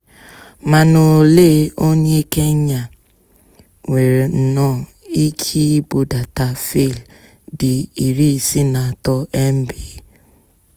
Mana olee onye Kenya nwere nnọọ ike ịbudata faịlụ dị 63 MB?